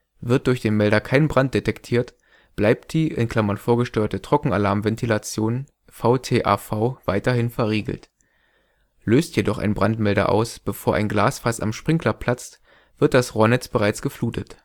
Wird durch den Melder kein Brand detektiert, bleibt die (vorgesteuerte Trockenalarmventilation) VTAV weiterhin verriegelt. Löst jedoch ein Brandmelder aus, bevor ein Glasfass am Sprinkler platzt, wird das Rohrnetz bereits geflutet